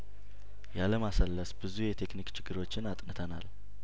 ያለማሰለስ ብዙ የቴክኒክ ችግሮችን አጥንተናል